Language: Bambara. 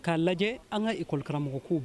K'a lajɛ an ka i kɔlɔlikaramɔgɔ ko